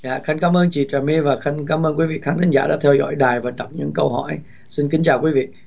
dạ con cảm ơn chị trà my và khánh cám ơn quý vị khán thính giả đã theo dõi đài và đọc những câu hỏi xin kính chào quý vị